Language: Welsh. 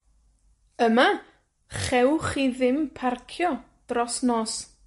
Yma, chewch chi ddim parcio dros nos.